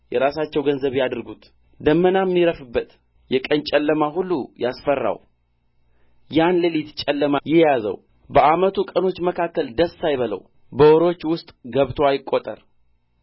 የራሳቸው ገንዘብ ያድርጉት ዳመናም ይረፍበት የቀን ጨለማ ሁሉ ያስፈራው ያን ሌሊት ጨለማ ይያዘው በዓመቱ ቀኖች መካከል ደስ አይበለው በወሮች ውስጥ ገብቶ አይቈጠር